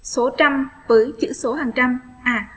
số chăm với chữ số hàng trăm